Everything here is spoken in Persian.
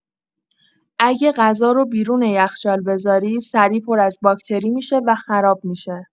اگه غذا رو بیرون یخچال بذاری، سریع پر از باکتری می‌شه و خراب می‌شه.